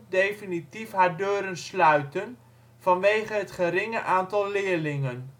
definitief haar deuren sluiten vanwege het geringe aantal leerlingen